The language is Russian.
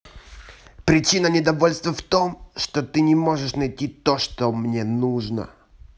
причина недовольства в том что ты не можешь найти то что мне нужно